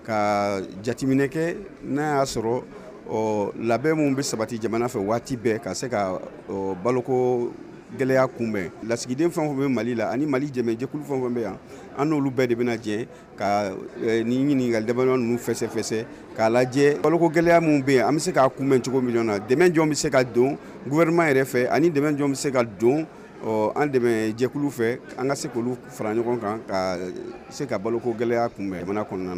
Ka jateminɛ kɛ n'a y'a sɔrɔ ɔ labɛn minnu bɛ sabati jamana fɛ waati bɛɛ ka se ka boloko gɛlɛyaya kunbɛn lasigiden fɛn tun bɛ mali la ani malijɛkulu fɛn fɛn bɛ yan an'olu bɛɛ de bɛ jɛ ka nin ɲini ka dɛy nu fɛsɛfɛsɛ k'a lajɛ boloko gɛlɛyaya minnu bɛ an bɛ se k'a kunbɛn cogo min na dɛ jɔn bɛ se ka don wɛrɛma yɛrɛ fɛ ani dɛ bɛ se ka don an dɛmɛ jɛkulu fɛ an ka se k olu fara ɲɔgɔn kan ka se ka boloko gɛlɛyaya kunbɛn jamana kɔnɔna